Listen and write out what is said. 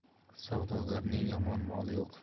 savdogarning yomon moli yo'q